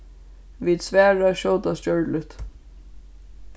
vit svara skjótast gjørligt